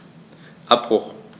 Abbruch.